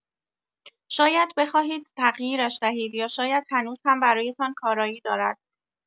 شاید بخواهید تغییرش دهید یا شاید هنوز هم برایتان کارایی دارد.